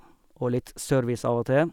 Og litt service av og til.